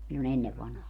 silloin ennen vanhaan